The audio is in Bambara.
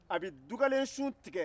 a bɛ dubalensun tigɛ